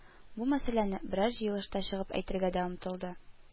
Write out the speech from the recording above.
Бу мәсьәләне берәр җыелышта чыгып әйтергә дә омтылды